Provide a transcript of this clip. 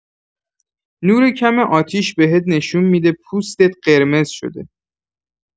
نور کم آتیش بهت نشون می‌ده پوستت قرمز شده.